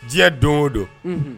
Diɲɛ don o don